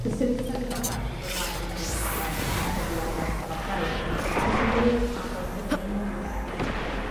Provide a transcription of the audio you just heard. Do's dim syndod felly bod yr adain dde caled yn tyfu ar draws y gorllewin, achos ma' nw'n addo gneud rwbeth